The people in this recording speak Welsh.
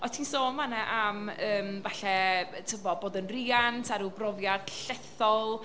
O't ti'n sôn fan'na am yym falle tibod bod yn riant a ryw brofiad llethol.